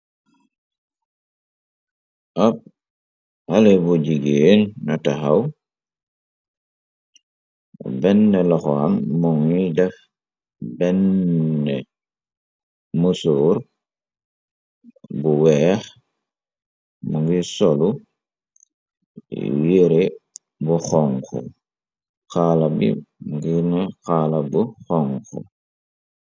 Ab ale bu jigée na texaw, benn laxo am mongi def benne musoor bu weex, mu ngi solu weere bu xonxu, xaala bi ngirna xaala bu xongxu.